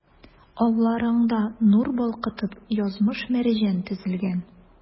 Алларыңда, нур балкытып, язмыш-мәрҗән тезелгән.